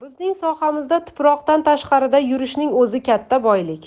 bizning sohamizda tuproqdan tashqarida yurishning o'zi katta boylik